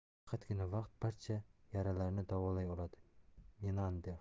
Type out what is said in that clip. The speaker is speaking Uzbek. faqatgina vaqt barcha yaralarni davolay oladi menander